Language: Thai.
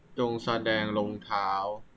จงแสดงรองเท้า